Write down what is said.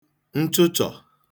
nchụchọ̀